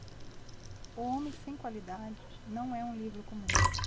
o homem sem qualidades não é um livro comum